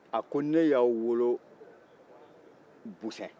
a ko ne y'aw wolo busɛn